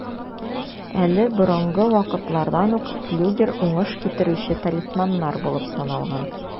Әле борынгы вакытлардан ук флюгер уңыш китерүче талисманнар булып саналган.